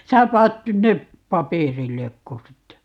sinä panet nyt ne paperilleko sitten